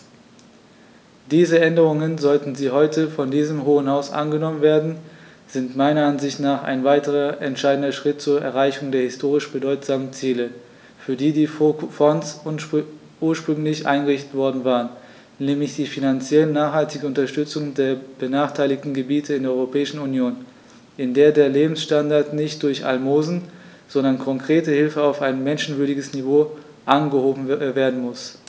Diese Änderungen, sollten sie heute von diesem Hohen Haus angenommen werden, sind meiner Ansicht nach ein weiterer entscheidender Schritt zur Erreichung der historisch bedeutsamen Ziele, für die die Fonds ursprünglich eingerichtet worden waren, nämlich die finanziell nachhaltige Unterstützung der benachteiligten Gebiete in der Europäischen Union, in der der Lebensstandard nicht durch Almosen, sondern konkrete Hilfe auf ein menschenwürdiges Niveau angehoben werden muss.